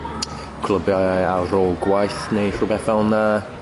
clwbiau ar ôl gwaith neu rhwbeth fel 'na.